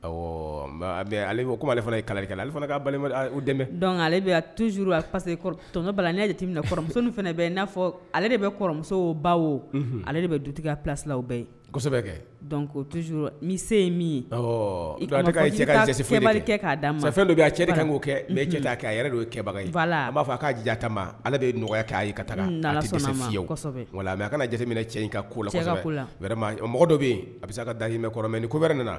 Ɔ ale ale fana ye kalali kɛ ale dɛmɛ ale tuzj ase bala jate namuso fana bɛ n'afɔ fɔ ale de bɛ kɔrɔmuso baw ale de bɛ dutigi plasilaw bɛɛ ye tu misi se ye min fɛn ka fɛn dɔ cɛ kɛ' a yɛrɛ yebaga b'a fɔ k'a ja ta ale bɛ nɔgɔya kɛ ka taaye wa mɛ a kana jateminɛ cɛ in ka ko la mɔgɔ dɔ bɛ yen a bɛ se sa ka da kɔrɔ mɛ nin ko wɛrɛ nana